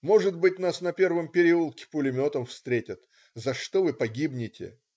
Может быть, нас на первом переулке пулеметом встретят. За что вы погибнете?